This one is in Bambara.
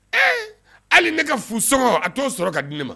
Ee hali ne ka fusɔngɔ a t'o sɔrɔ ka di ne ma